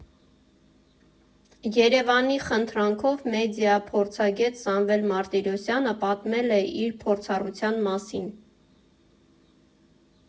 ԵՐԵՎԱՆի խնդրանքով մեդիա֊փորձագետ Սամվել Մարտիրոսյանը պատմել է իր փորձառության մասին։